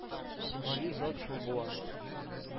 Гали зат шул була...